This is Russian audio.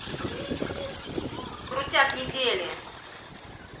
крутяк недели